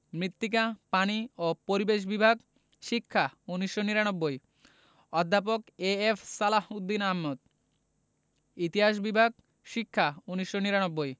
মৃত্তিকা পানি ও পরিবেশ বিভাগ শিক্ষা ১৯৯৯ অধ্যাপক এ.এফ সালাহ উদ্দিন আহমদ ইতিহাস বিভাগ শিক্ষা ১৯৯৯